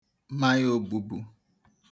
mmaị obūbū